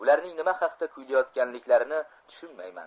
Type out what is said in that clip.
ularning nima haqda kuylayotganlarini tushunmayman